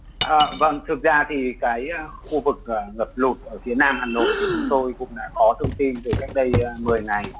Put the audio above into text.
à vâng thực ra thì cái khu vực ngập lụt ở phía nam hà nội thì chúng tôi cũng đã có thông tin từ cách đây mười ngày